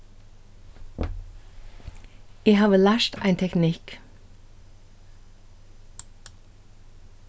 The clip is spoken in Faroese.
eg havi lært ein teknikk